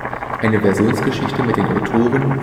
1973) Tachycines minor (Chopard